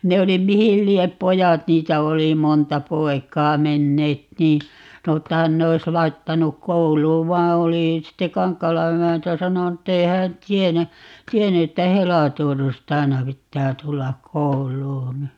ne oli mihin lie pojat niitä oli monta poikaa menneet niin sanoi että hän ne olisi laittanut kouluun vaan oli sitten Kankaalan emäntä sanonut että ei hän tiennyt tiennyt että helatorstaina pitää tulla kouluun